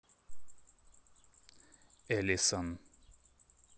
элисон